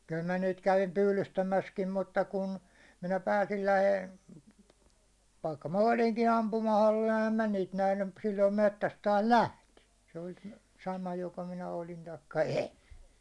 kyllä minä niitä kävin pyydystämässäkin mutta kun minä pääsin - vaikka minä olinkin ampumahollilla enhän minä niitä nähnyt - silloin metsäs taas lähti se oli sama joko minä olin tai en